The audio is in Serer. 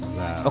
wawaw